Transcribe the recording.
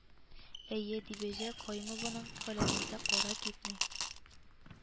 Әйе, Дибәҗә Каюмованың каләмендә кара кипми